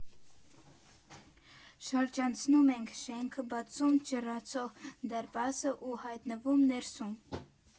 Շրջանցում ենք շենքը, բացում ճռռացող դարպասը ու հայտնվում ներսում։